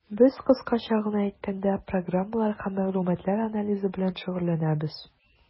Без, кыскача гына әйткәндә, программалар һәм мәгълүматлар анализы белән шөгыльләнәбез.